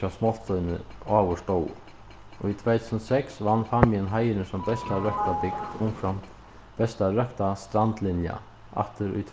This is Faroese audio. hjá smoltstøðini áður stóðu í tvey túsund og seks vann fámjin heiðurin sum besta røkta bygd umframt besta røkta strandlinja aftur í